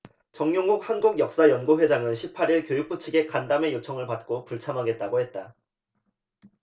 정용욱 한국역사연구회장은 십 팔 일 교육부 측의 간담회 요청을 받고 불참하겠다고 했다